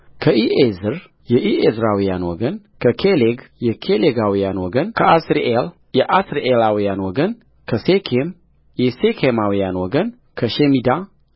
ከኢዔዝር የኢዔዝራውያን ወገን ከኬሌግ የኬሌጋውያን ወገንከአሥሪኤል የአሥሪኤላውያን ወገንከሴኬም የሴኬማውያን ወገን ከሸሚዳ